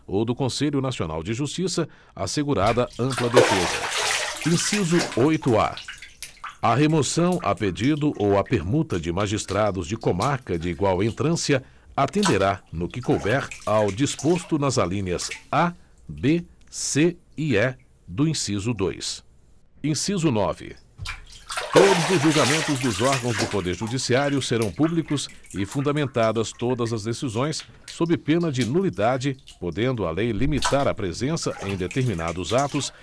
ou do conselho nacional de justiça assegurada ampla defesa inciso oito a a remoção a pedido ou a permuta de magistrados de comarca de igual entrância atenderá no que couber ao disposto nas alíneas a b c e e do inciso dois inciso nove todos os julgamentos dos órgãos do poder judiciário serão públicos e fundamentadas todas as decisões sob pena de nulidade podendo a lei limitar a presença em determinados atos